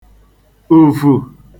ùfù